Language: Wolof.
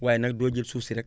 waaye nag doo jël suuf si rek